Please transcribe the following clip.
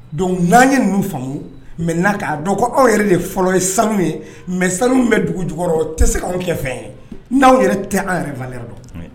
Donc n'an ye ninnu faamu maintenant k'a dɔn ko aw yɛrɛ de fɔlɔ ye sanu ye mais sanu min bɛ dugukɔrɔ o tɛ se anw kɛ fɛn ye, n'aw yɛrɛ tɛ an yɛrɛ valeur dɔn